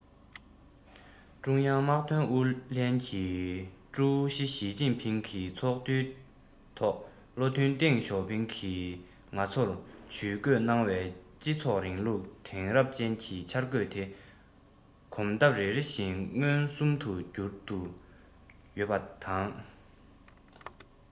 ཀྲུང དབྱང དམག དོན ཨུ ལྷན གྱི ཀྲུའུ ཞི ཞིས ཅིན ཕིང གིས ཚོགས འདུའི ཐོག བློ མཐུན ཏེང ཞའོ ཕིང གིས ང ཚོར ཇུས འགོད གནང བའི སྤྱི ཚོགས རིང ལུགས དེང རབས ཅན གྱི འཆར འགོད དེ གོམ སྟབས རེ རེ བཞིན མངོན སུམ དུ འགྱུར དུ ཡོད པ དང